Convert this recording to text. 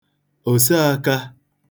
òseākā